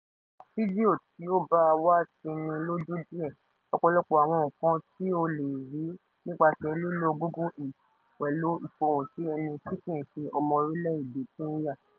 Kódà fídíò tí ó baa wá ti ni lójú díẹ̀:ọ̀pọ̀lọpọ̀ àwọn nkan tí o le rí nípasẹ̀ lílo Google Earth, pẹ̀lú ìfohùnsí ẹni tí kìí se ọmọ orílẹ̀ èdè Kenya.